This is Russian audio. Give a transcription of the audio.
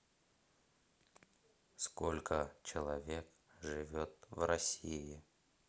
сколько человек живет в россии